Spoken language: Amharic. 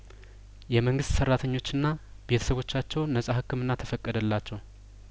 የመንግስት ሰራተኞችና ቤተሰቦቻቸው ነጻ ህክምና ተፈቀደላቸው